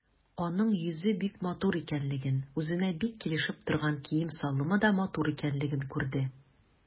Аның йөзе бик матур икәнлеген, үзенә бик килешеп торган кием-салымы да матур икәнлеген күрде.